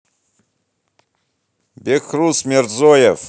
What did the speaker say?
бехруз мерзоев